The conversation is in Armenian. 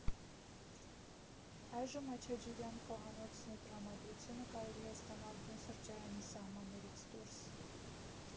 Այժմ աչաջուրյան խոհանոցն ու տրամադրությունը կարելի է ստանալ բուն սրճարանի սահմաններից դուրս։